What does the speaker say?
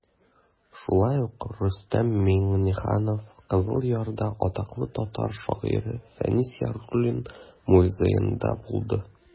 Шулай ук Рөстәм Миңнеханов Кызыл Ярда атаклы татар шагыйре Фәнис Яруллин музеенда булды.